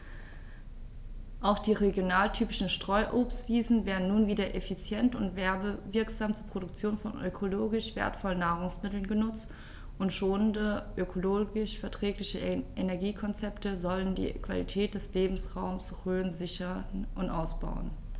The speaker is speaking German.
Auch die regionaltypischen Streuobstwiesen werden nun wieder effizient und werbewirksam zur Produktion von ökologisch wertvollen Nahrungsmitteln genutzt, und schonende, ökologisch verträgliche Energiekonzepte sollen die Qualität des Lebensraumes Rhön sichern und ausbauen.